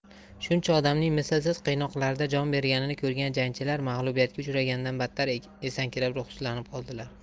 shuncha odamning mislsiz qiynoqlarda jon berganini ko'rgan jangchilar mag'lubiyatga uchragandan battar esankirab ruhsizlanib qoldilar